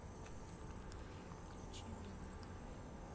включи веном